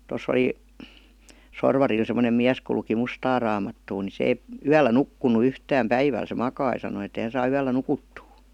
tuossa oli Sorvarilla semmoinen mies kun luki mustaa raamattua niin se ei yöllä nukkunut yhtään päivällä se makasi sanoi että ei hän saa yöllä nukuttua